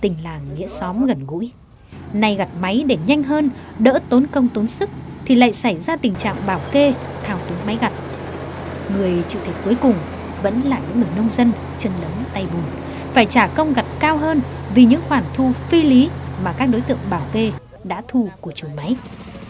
tình làng nghĩa xóm gần gũi nay gặt máy để nhanh hơn đỡ tốn công tốn sức thì lại xảy ra tình trạng bảo kê thao túng máy gặt người chịu thiệt cuối cùng vẫn là những người nông dân chân lấm tay bùn phải trả công gặt cao hơn vì những khoản thu phi lý mà các đối tượng bảo kê đã thu của chủ máy